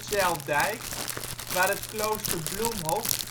Zijldijk, waar het klooster Bloemhof